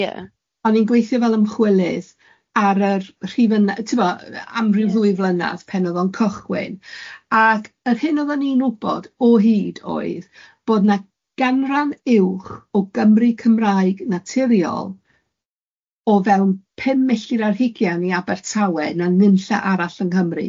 Ie. O'n i'n gweithio fel ymchwilydd, ar yr rhifyna- tibod amryw ddwy flynadd pan oedd o'n cychwyn, ac yr hyn oeddan ni'n wbod o hyd oedd bod na ganran uwch o Gymry Cymraeg naturiol o fewn pum milltir ar hugian i Abertawe na nunlle arall yng Nghymru.